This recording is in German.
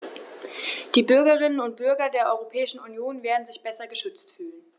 Die Bürgerinnen und Bürger der Europäischen Union werden sich besser geschützt fühlen.